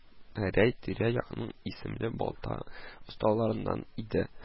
Гәрәй тирә-якның исемле балта осталарыннан иде